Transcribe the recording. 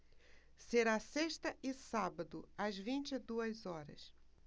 será sexta e sábado às vinte e duas horas